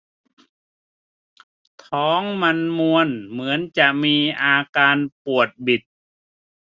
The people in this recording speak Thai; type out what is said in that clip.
ท้องมันมวนเหมือนจะมีอาการปวดบิด